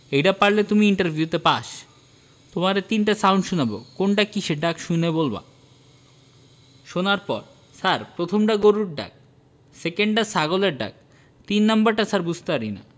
এইডা পারলেই তুমি ইন্টার ভিউতে পাস তোমারে তিনটা সাউন্ড শোনাবো কোনটা কিসের ডাক শুনে বলবা... শোনার পর ছার প্রথমডা গরুর ডাক সেকেন ডা ছাগলের ডাক তিন নাম্বারডা ছার বুঝতারিনা